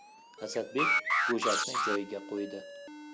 asadbek go'shakni joyiga qo'ydi